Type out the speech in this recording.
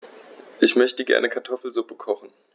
Ich möchte gerne Kartoffelsuppe kochen.